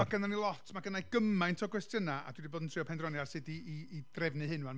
Mae gynna ni lot, mae gynna i gymaint o gwestiynau, a dw 'di bod yn trio penderfynu ar sut i i i drefnu hyn ŵan,